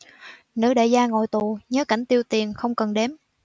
nữ đại gia ngồi tù nhớ cảnh tiêu tiền không cần đếm